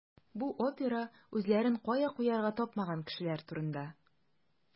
Бу опера үзләрен кая куярга тапмаган кешеләр турында.